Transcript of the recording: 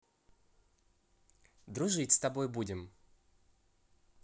дружить с тобой будем